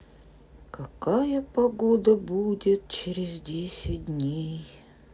какая погода будет через десять дней